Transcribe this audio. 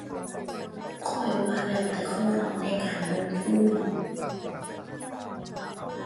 ข้อยว่าแล้วแต่คนในการลงทุน